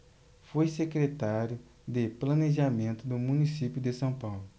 foi secretário de planejamento do município de são paulo